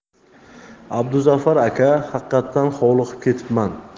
abduzafar aka haqqattan hovliqib ketibman